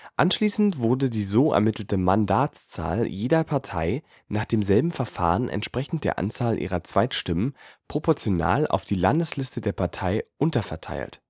Anschließend wurden die so ermittelte Mandatszahl jeder Partei nach demselben Verfahren entsprechend der Anzahl ihrer Zweitstimmen proportional auf die Landeslisten der Partei unterverteilt